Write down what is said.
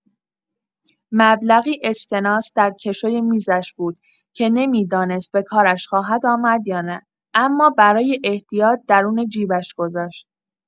مبلغی اسکناس در کشوی میزش بود که نمی‌دانست به کارش خواهد آمد یا نه، اما برای احتیاط درون جیبش گذاشت.